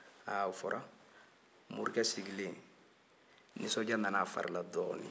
ha o fɔra morikɛ sigilen nisɔndiya nana a fari la dɔɔnin